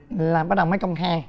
là bắt đầu mới công khai